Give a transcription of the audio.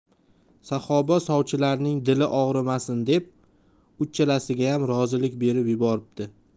saxoba sovchilarning dili og'rimasin deb uchalasigayam rozilik berib yuboribdi